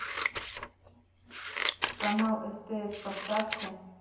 канал стс поставьте